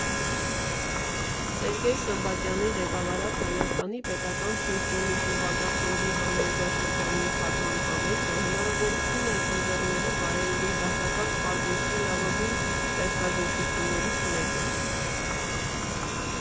Սերգեյ Սմբատյանի ղեկավարած Հայաստանի պետական սիմֆոնիկ նվագախմբի համերգաշրջանի փակման համերգը հնարավորություն է ընձեռելու վայելելու դասական արվեստի լավագույն ստեղծագործություններից մեկը։